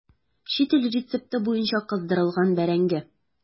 Чит ил рецепты буенча кыздырылган бәрәңге.